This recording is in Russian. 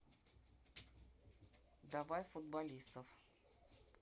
давай в футболистов